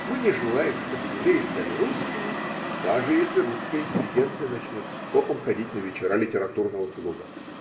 Мы не желаем, чтобы евреи стали русскими, даже если русская интеллигенция начнет скопом ходить на вечера литературного клуба.